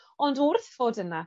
ond wrth fod yna,